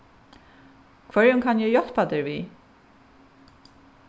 hvørjum kann eg hjálpa tær við